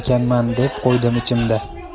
ekanman deb qo'ydim ichimda